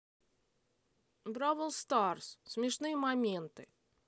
бравл старс смешные моменты